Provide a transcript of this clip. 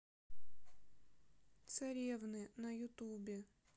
царевны на ютубе